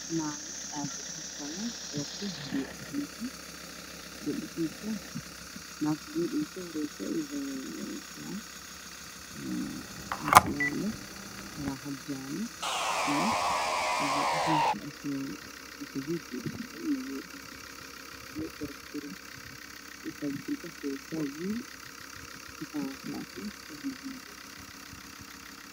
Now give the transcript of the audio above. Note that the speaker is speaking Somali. Ka ii muuqdo gabdho dhulka fadhiya waxay wataan dharka hidaha iyo dhaqanka soomaaliya